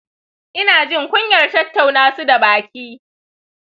ina jin kunyar tattauna su da baƙi.